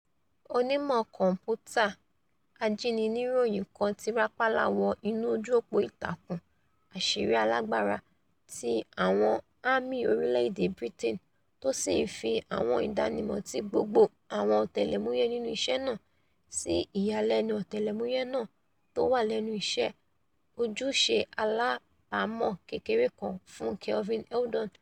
Onímọ-kọ̀m̀pútà ajíniníròyìn kan ti rápálá wọ inú oju-òpó ìtàkùn àṣírí-alágbára ti àwọn amì orílẹ̀-èdè Britain, tó sì ńfi àwọn ìdánimọ̀ tí gbogbo àwọn ọ̀tẹlẹ̀múyẹ nínú iṣẹ́ náà, sí ìyàlẹ́nu ọ̀tẹlẹ̀múyẹ náà tówà lẹ́nu iṣẹ́ - ojúṣe aláàbámọ̀ kékeré kan fún Kevin Eldon.